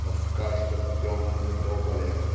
но в каждом темном тополе